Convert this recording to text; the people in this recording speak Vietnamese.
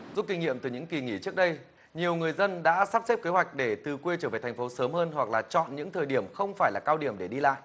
rút kinh nghiệm từ những kỳ nghỉ trước đây nhiều người dân đã sắp xếp kế hoạch để từ quê trở về thành phố sớm hơn hoặc là chọn những thời điểm không phải là cao điểm để đi lại